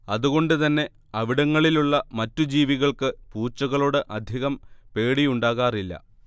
അതുകൊണ്ട് തന്നെ അവിടങ്ങളിലുള്ള മറ്റ് ജീവികൾക്ക് പൂച്ചകളോട് അധികം പേടിയുണ്ടാകാറില്ല